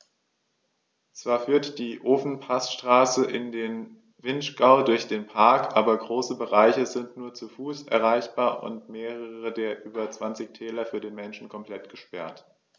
Zwar führt die Ofenpassstraße in den Vinschgau durch den Park, aber große Bereiche sind nur zu Fuß erreichbar und mehrere der über 20 Täler für den Menschen komplett gesperrt.